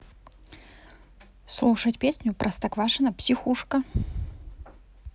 слушать песню простоквашино психушка